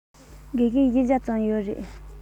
དགེ རྒན ལྔ བརྒྱ ཙམ ཡོད རེད